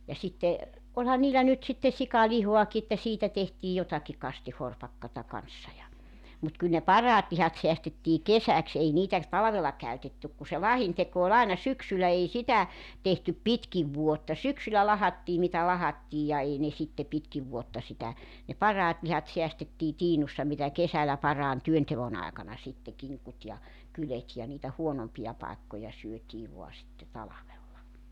ja sitten olihan niillä nyt sitten sikalihaakin että siitä tehtiin jotakin kastihorpakkaa kanssa ja mutta kyllä ne parhaat lihat säästettiin kesäksi ei niitä talvella käytetty kun se lahdinteko oli aina syksyllä ei sitä tehty pitkin vuotta syksyllä lahdattiin mitä lahdattiin ja ei ne sitten pitkin vuotta sitä ne parhaat lihat säästettiin tiinussa mitä kesällä parhaan työnteon aikana sitten kinkut ja kyljet ja niitä huonompia paikkoja syötiin vain sitten talvella